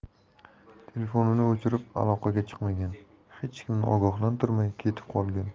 telefonini o'chirib aloqaga chiqmagan hech kimni ogohlantirmay ketib qolgan